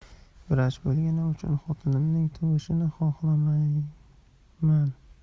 vrach bo'lganim uchun xotinimning tug'ishini xohlamayman